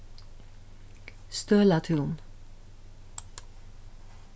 støðlatún